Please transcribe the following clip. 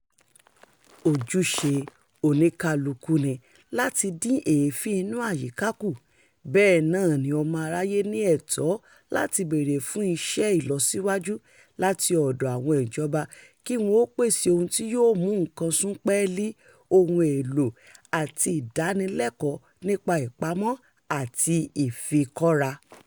Ojúṣe oníkálukú ni láti dín èéfín inú àyíká kù, bẹ́ẹ̀ náà ni ọmọ aráyé ní ẹ̀tọ́ láti béèrè fún iṣẹ́ ìlọsíwájú láti ọ̀dọ̀ àwọn ìjọba kí wọn ó pèsè ohun tí yóò mú nǹkan sún pẹ́lí, ohun èlò àti ìdánilẹ́kọ̀ọ́ nípa ìpamọ́ àti ìfikọ́ra.